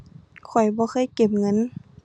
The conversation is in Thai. ข้อยบ่เคยเก็บเงิน